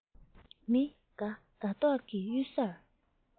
མི དགའ དགའ མདོག གིས གཡུལ སར